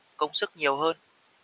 công sức nhiều hơn